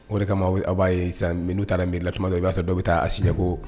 O de kama aw b'a ye sisan mais ni u taara mairie la, tuma dɔ, dɔ bɛ taa siɲɛn ko